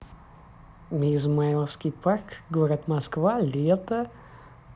измайловский парк город москва лето